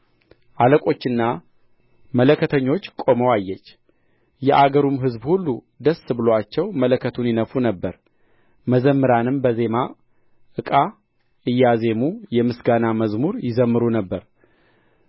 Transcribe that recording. አለቆችና መለከተኞች ቆመው አየች የአገሩም ሕዝብ ሁሉ ደስ ብሎአቸው መለከቱን ይነፉ ነበር መዘምራንም በዜማ ዕቃ እያዜሙ የምስጋና መዝሙር ይዘምሩ ነበር